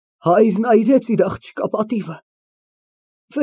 Հայրն այրեց իր աղջկա պատիվը։